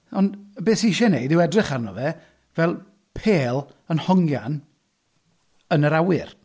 Ond be sy isie wneud yw edrych arno fe fel pêl yn hongian yn yr awyr.